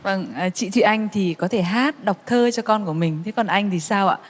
vâng chị thụy anh thì có thể hát đọc thơ cho con của mình thế còn anh thì sao ạ